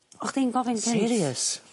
O'ch chdi'n gofyn ? Serious?